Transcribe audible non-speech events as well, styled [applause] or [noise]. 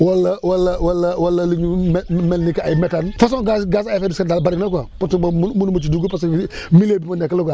loolu la wala wala wala lu ñu lu mel ni que ay métanes façon gaz gaz à effet de serre daal bëri na quoi parce que man munuma ci dugg parce que [breath] milieu bi ma nekk la quoi